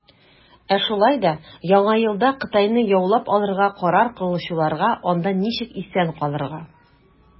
Ә шулай да Яңа елда Кытайны яулап алырга карар кылучыларга, - анда ничек исән калырга.